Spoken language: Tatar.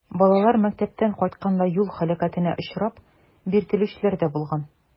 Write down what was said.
Балалар мәктәптән кайтканда юл һәлакәтенә очрап, биртелүчеләр дә булган.